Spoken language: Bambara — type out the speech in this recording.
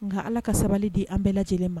Nka allah ka sabali di an bɛɛ lajɛlen ma.